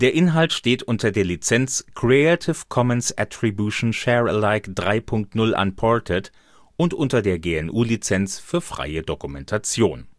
Inhalt steht unter der Lizenz Creative Commons Attribution Share Alike 3 Punkt 0 Unported und unter der GNU Lizenz für freie Dokumentation